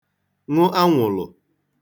ṅụ anwụ̀lụ̀